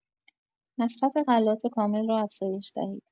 مصرف غلات کامل را افزایش دهید.